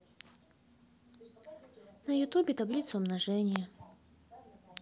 на ютубе таблица умножения